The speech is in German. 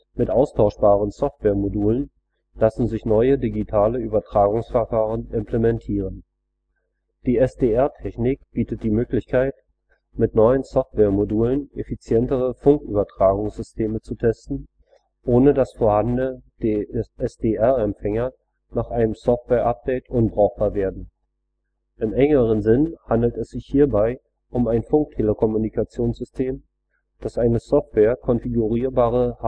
Mit austauschbaren Softwaremodulen lassen sich neue digitale Übertragungsverfahren implementieren. Die SDR-Technik bietet die Möglichkeit, mit neuen Softwaremodulen effizientere Funkübertragungssysteme zu testen, ohne dass vorhandene SDR-Empfänger nach einem Softwareupdate unbrauchbar werden. Im engeren Sinn handelt es sich hierbei um ein Funktelekommunikationssystem, das eine software-konfigurierbare